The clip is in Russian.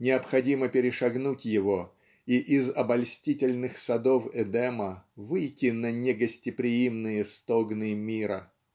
необходимо перешагнуть его и из обольстительных садов Эдема выйти на негостеприимные стогны мира.